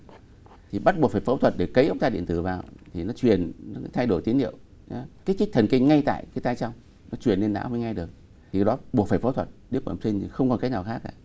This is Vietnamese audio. thì bắt buộc phải phẫu thuật để cấy ốc tai điện tử vào thì nó truyền những cái thay đổi tín hiệu kích thích thần kinh ngay tại cái tai trong đó chuyển lên não mới nghe được điều đó buộc phải phẫu thuật điếc bẩm sinh không còn cách nào khác cả